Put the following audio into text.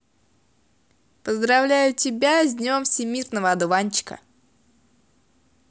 поздравляю тебя с днем всемирного одуванчика